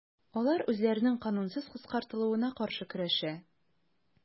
Алар үзләренең канунсыз кыскартылуына каршы көрәшә.